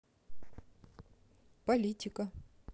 политика